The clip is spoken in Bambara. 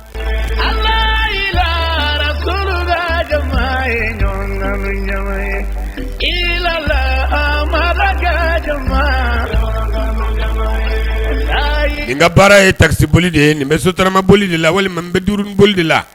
La ka ka la n ka baara ye tasi bolioli de ye nin bɛ sotaramaoli de la walima n bɛ duuruuru bolioli de la